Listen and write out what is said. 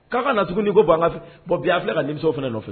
K'a ka na tugun ni ko bankafɛ bɔn bi a filɛ ka ninmi fana nɔfɛ